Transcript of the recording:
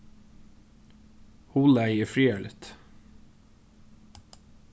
huglagið er friðarligt